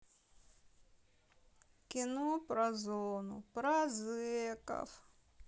кино про зону про зеков